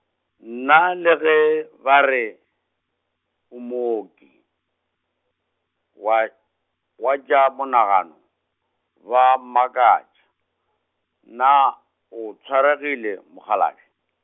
nna le ge ba re, o mooki, wa, wa tša monagano, ba a mmakatša, na o swaregile mokgalabje?